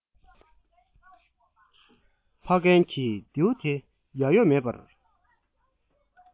ཕ རྒན གྱི རྡེའུ དེ ཡ ཡོ མེད པར